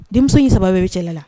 Denmuso i3 bɛɛ bɛ cɛla la